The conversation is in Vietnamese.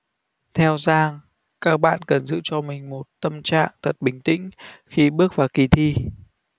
theo giang các bạn cần giữ cho mình một tâm trạng thật bình tĩnh khi bước vào kỳ thi